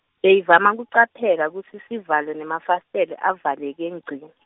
Beyivama kucaphela kutsi sivalo nemafasitelo avaleke ngci.